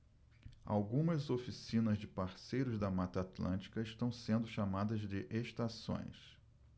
algumas oficinas de parceiros da mata atlântica estão sendo chamadas de estações